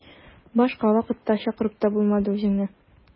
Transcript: Башка вакытта чакырып та булмады үзеңне.